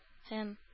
Һәм